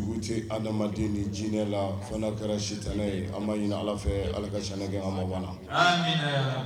Dugu tɛ adamaden ni jinɛ la fan kɛra sitala ye an ɲini ala fɛ ala ka s kɛ an ma banna